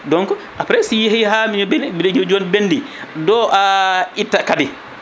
donc après si yeehi ha * joni ɓendi ɗo a itta kadi